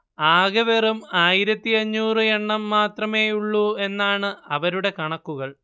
ആകെ വെറും ആയിരത്തിയഞ്ഞൂറ് എണ്ണം മാത്രമേ ഉള്ളൂ എന്നാണ് അവരുടെ കണക്കുകൾ